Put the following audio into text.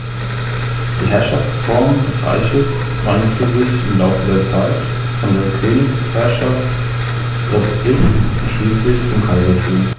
Aus diesen ergibt sich als viertes die Hinführung des Besuchers zum praktischen Naturschutz am erlebten Beispiel eines Totalreservats.